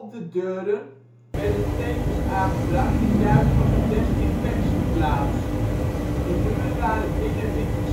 de deuren werden tekens aangebracht die duidden op een desinfectieplaats. De muren waren binnen wit